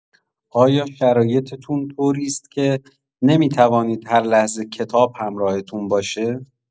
آیا شرایطتون طوری است که نمی‌توانید هر لحظه کتاب همراهتون باشه؟